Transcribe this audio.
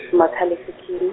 makhal' ekhikhikhini.